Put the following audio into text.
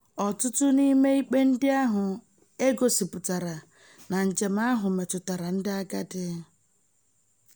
Ọtụtụ n'ime ikpe ndị ahụ e gosipụtara na njem ahụ metụtara ndị agadi.